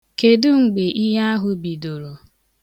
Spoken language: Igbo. Kedu mgbe ihe ahụ bidoro?